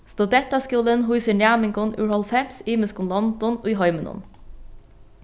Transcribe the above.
studentaskúlin hýsir næmingum úr hálvfems ymiskum londum í heiminum